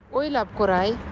o'ylab ko'ray